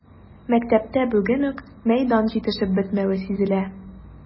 Мәктәптә бүген үк мәйдан җитешеп бетмәве сизелә.